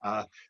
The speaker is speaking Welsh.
a